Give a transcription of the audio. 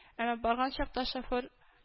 Әмма барган чакта шофер